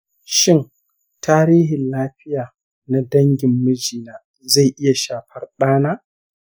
shin tarihin lafiya na dangin mijina zai iya shafar ɗana?